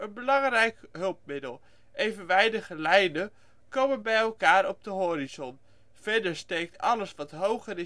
belangrijk hulpmiddel. Evenwijdige lijnen komen bij elkaar op de horizon. Verder steekt alles wat hoger